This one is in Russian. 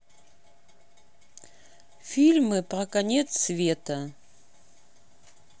фильмы про конец света